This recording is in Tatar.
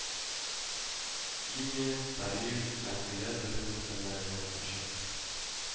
Химия, тарих, әмгыять белеме фәннәреннән ачык